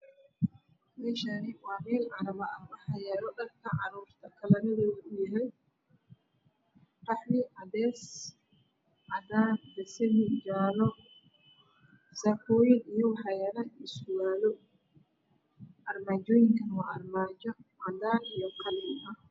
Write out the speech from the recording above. me Shani wa meel carwa ah waxa yalo Dhar ka caruurta kalaradodu yahay qaxwi cades cadaan basali jaalo saakoyin iyo waxa yalo surwlo armajoyin Kana wa armaajo cadan iya qalin ah